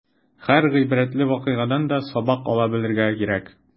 Һәр гыйбрәтле вакыйгадан да сабак ала белергә кирәк.